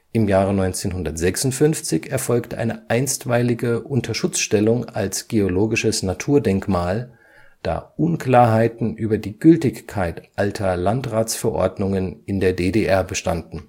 Im Jahre 1956 erfolgte eine einstweilige Unterschutzstellung als Geologisches Naturdenkmal, da Unklarheiten über die Gültigkeit alter Landratsverordnungen in der DDR bestanden